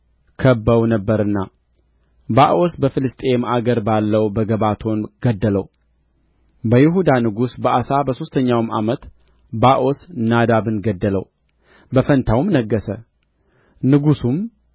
ከብበው ነበርና ባኦስ በፍልስጥኤም አገር ባለው በገባቶን ገደለው በይሁዳ ንጉሥ በአሳ በሦስተኛው ዓመት ባኦስ ናዳብን ገደለው በፋንታውም ነገሠ ንጉሥም